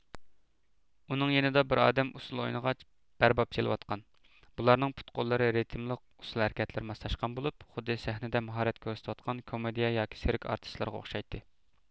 ئۇنىڭ يېنىدا بىر ئادەم ئۇسسۇل ئوينىغاچ بەرباب چېلىۋاتقان بۇلارنىڭ پۇت قوللىرى رېتىملىق ئۇسسۇل ھەرىكەتلىرى ماسلاشقان بولۇپ خۇددى سەھنىدە ماھارەت كۆرسىتىۋاتقان كومېدىيە ياكى سېرك ئارتىسلىرىغا ئوخشايتتى